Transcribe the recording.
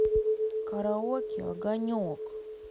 караоке огонек